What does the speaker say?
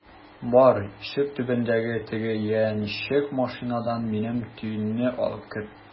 Бар, ишек төбендәге теге яньчек машинадан минем төенне алып кер!